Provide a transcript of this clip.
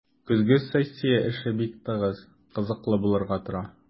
Көзге сессия эше бик тыгыз, кызыклы булырга тора.